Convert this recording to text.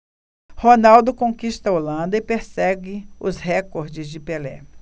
ronaldo conquista a holanda e persegue os recordes de pelé